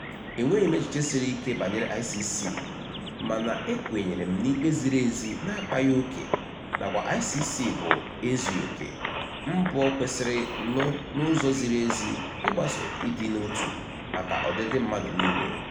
Enweghị m echiche siri ike banyere ICC, mana e kwenyere m n'ikpe ziri ezi n'akpaghị oke, nakwa ICC bụ (ezughị oke) mbọ kwesịrị nụ n'ụzọ ziri ezi ịgbaso idi n'otu, maka ọdịdị mmadụ niile.